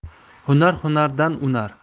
hunar hunardan unar